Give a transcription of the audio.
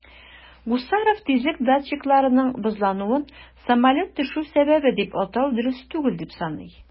Гусаров тизлек датчикларының бозлануын самолет төшү сәбәбе дип атау дөрес түгел дип саный.